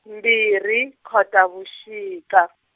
mbirhi Khotavuxika.